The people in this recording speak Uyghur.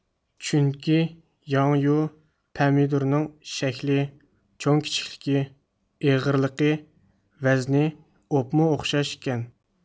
چۈنكى ياڭيۇ پەمىدۇرنىڭ شەكلى چوڭ كىچىكلىكى ئېغىرلىقى ۋەزنى ئوپمۇئوخشاش ئىكەن